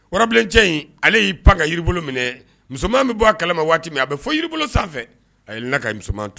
Warabilencɛ in ale y'i pan ka yiribolo minɛ musoman bɛ bɔ a kalama waati min a bɛ fɔ yiri bolo sanfɛ a ye la ka musoman tan